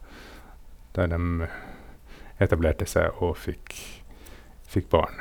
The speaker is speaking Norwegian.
Der dem etablerte seg og fikk fikk barn.